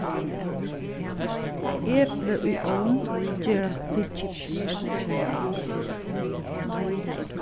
epli í ovn gerast til kips